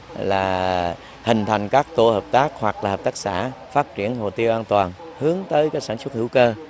là hình thành các tổ hợp tác hoặc là hợp tác xã phát triển hồ tiêu an toàn hướng tới sản xuất hữu cơ